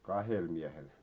kahdella miehellä